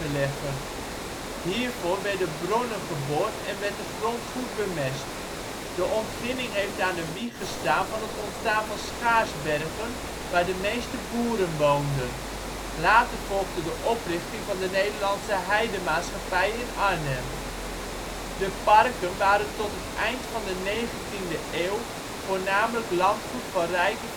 leggen. Hiervoor werden bronnen geboord en werd de grond goed bemest. De ontginning heeft aan de wieg gestaan van het ontstaan van Schaarsbergen waar de meeste boeren woonden. Later volgde de oprichting van de Nederlandse Heidemaatschappij in Arnhem. De parken waren tot aan het eind van de 19e eeuw voornamelijk landgoed van rijke